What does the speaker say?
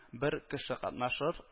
Бер кеше катнашыр